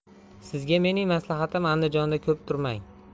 sizga mening maslahatim andijonda ko'p turmang